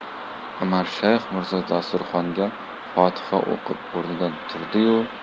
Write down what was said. umarshayx mirzo dasturxonga fotiha o'qib o'rnidan